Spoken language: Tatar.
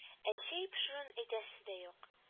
Ә чәй пешерүен әйтәсе дә юк